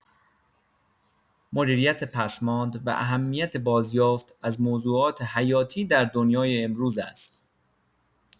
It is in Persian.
مدیریت پسماند و اهمیت بازیافت از موضوعات حیاتی در دنیای امروز است.